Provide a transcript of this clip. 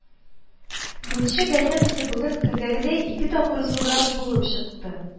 «күнче» газетасы бүген көндәгедәй ике тапкыр зуррак булып чыкты